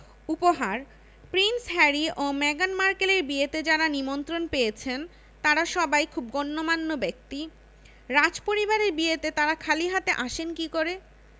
উপহার prince Harry ও মেগান মার্কেলের বিয়েতে যাঁরা নিমন্ত্রণ পেয়েছেন তাঁরা সবাই খুব গণ্যমান্য ব্যক্তি রাজপরিবারের বিয়েতে তাঁরা খালি হাতে আসেন কী করে